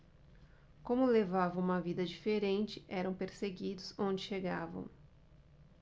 como levavam uma vida diferente eram perseguidos onde chegavam